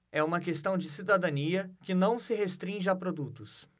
é uma questão de cidadania que não se restringe a produtos